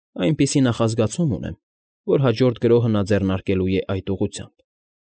Այնպիսի նախազգացում ունեմ, որ հաջորդ գրոհը նա ձեռնարկելու է այդ ուղղությամբ։